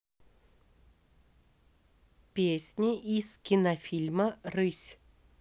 песни из кинофильма рысь